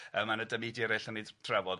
Yym ma' na dymedia eraill nawn ni t- trafod.